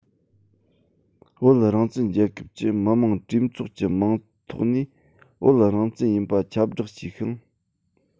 བོད རང བཙན རྒྱལ ཁབ ཀྱི མི དམངས གྲོས ཚོགས ཀྱི མིང ཐོག ནས བོད རང བཙན ཡིན པ ཁྱབ བསྒྲགས བྱས ཤིང